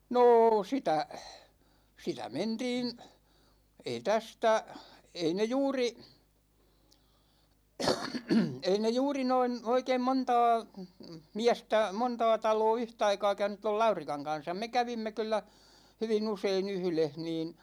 no sitä sitä mentiin ei tästä ei ne juuri ei ne juuri noin oikein montaa miestä montaa taloa yhtaikaa käynyt tuo Laurikan kanssa me kävimme kyllä hyvin usein yhdessä niin